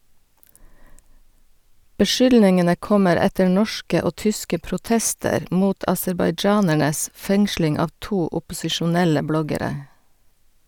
Beskyldningene kommer etter norske og tyske protester mot aserbajdsjanernes fengsling av to opposisjonelle bloggere.